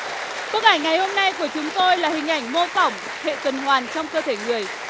bức ảnh ngày hôm nay của chúng tôi là hình ảnh mô phỏng hệ tuần hoàn trong cơ thể người